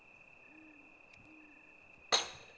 em đi